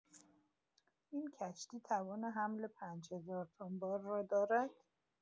این کشتی توان حمل ۵ هزار تن بار را دارد.